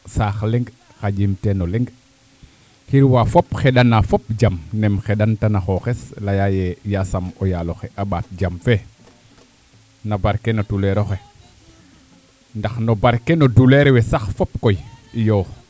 saax leŋ xaƴiim teen o leŋ xirwa fop xeɗana fop jam nem xeɗan tana xooxes laya yee yaesam o yaal oxe a ɓaat jam fee no barke no tureer oxe ndax no barke no duleer we sax fop koy iyoo